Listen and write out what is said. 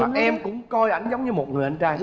em cũng coi ảnh giống như một người anh trai